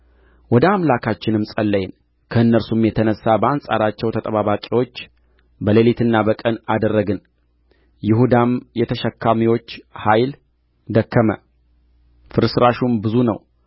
ወደ አምላካችንም ጸለይን ከእነርሱም የተነሣ በአንጻራቸው ተጠባባቂዎች በሌሊትና በቀን አደረግን ይሁዳም የተሸካሚዎች ኃይል ደከመ ፍርስራሹም ብዙ ነው